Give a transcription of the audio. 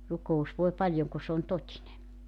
rukous voi paljon kun se on totinen